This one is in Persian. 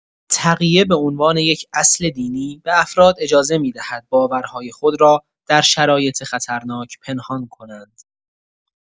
تقیه به عنوان یک اصل دینی به افراد اجازه می‌دهد باورهای خود را در شرایط خطرناک پنهان کنند.